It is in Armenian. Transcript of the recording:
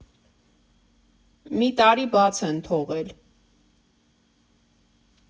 Մի տարի բաց են թողել։